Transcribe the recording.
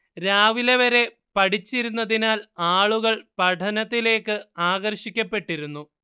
രാവിലെ വരെ പഠിപ്പിച്ചിരുന്നതിനാൽ ആളുകൾ പഠനത്തിലേക്ക് ആകർഷിക്കപ്പെട്ടിരുന്നു